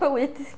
Bywyd.